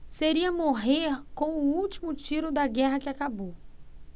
seria morrer com o último tiro da guerra que acabou